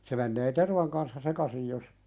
se menee tervan kanssa sekaisin jos